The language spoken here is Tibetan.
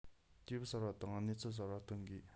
དུས བབ གསར པ དང གནས ཚུལ གསར པ དང བསྟུན དགོས